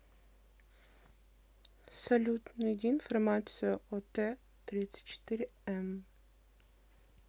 салют найди информацию о т тридцать четыре м